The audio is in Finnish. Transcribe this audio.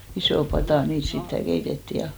isoon pataan niitä sitten keitettiin ja